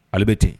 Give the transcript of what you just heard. Ale bɛ ten